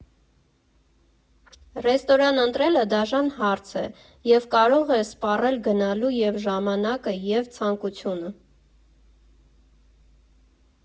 Ռեստորան ընտրելը դաժան հարց է, և կարող է սպառել գնալու և ժամանակը, և ցանկությունը։